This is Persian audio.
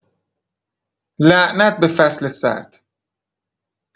لعنت به فصل سرد